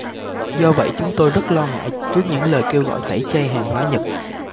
do vậy chúng tôi rất lo ngại trước những lời kêu gọi tẩy chay hàng hóa nhật